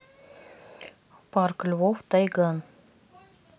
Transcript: парк львов тайган